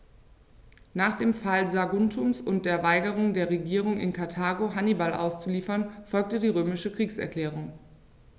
Nach dem Fall Saguntums und der Weigerung der Regierung in Karthago, Hannibal auszuliefern, folgte die römische Kriegserklärung.